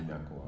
du ñàkk waaw